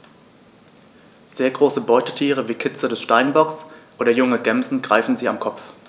Sehr große Beutetiere wie Kitze des Steinbocks oder junge Gämsen greifen sie am Kopf.